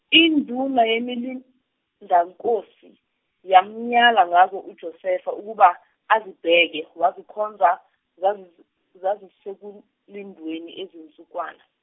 induna yemilindankosi yamyala ngazo uJosefa ukuba azibheke wazikhonza zazis- zazisekul- -lindweni izinsukwana.